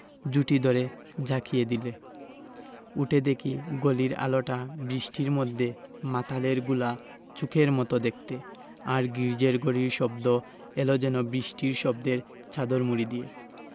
ঝুঁটি ধরে ঝাঁকিয়ে দিলে উঠে দেখি গলির আলোটা বৃষ্টির মধ্যে মাতালের ঘোলা চোখের মত দেখতে আর গির্জ্জের ঘড়ির শব্দ এল যেন বৃষ্টির শব্দের চাদর মুড়ি দিয়ে